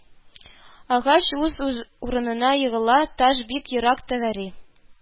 Агач үз урынына егыла, таш бик ерак тәгәри